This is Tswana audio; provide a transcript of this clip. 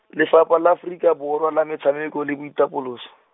Lefapha la Aforika Borwa la Metshameko le Boitapoloso.